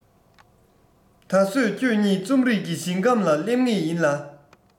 ད བཟོད ཁྱོད ཉིད རྩོམ རིག གི ཞིང ཁམས ལ སླེབས ངེས ཡིན ལ